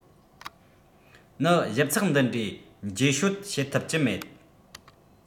ནི ཞིབ ཚགས འདི འདྲའི འབྱེད ཕྱོད བྱེད ཐུབ ཀྱི མེད